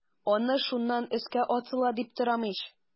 Аны шуннан өскә атыла дип торам ич.